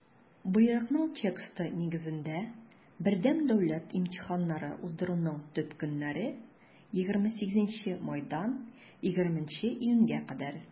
Боерыкның тексты нигезендә, БДИ уздыруның төп көннәре - 28 майдан 20 июньгә кадәр.